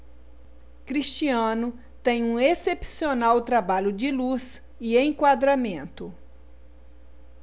cristiano tem um excepcional trabalho de luz e enquadramento